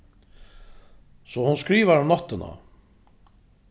so hon skrivar um náttina